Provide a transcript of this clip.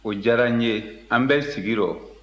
o diyara n ye an bɛ sigi rɔ